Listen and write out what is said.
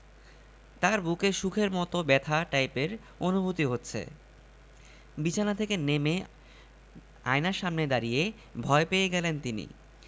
হ্যাঁ হ্যাঁ স্বপ্ন একটা দেখেছিলাম কিন্তু সেটা কি আপনাকে বলা ঠিক হবে স্বপ্নের কথা ওঠায় লজ্জায় লাল হয়ে গেলেন মন্ত্রী মহোদয়